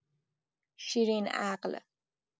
شیرین‌عقل